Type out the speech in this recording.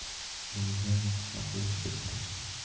egilgan boshni qilich kesmaydi